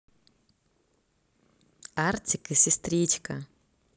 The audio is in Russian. artik и сестричка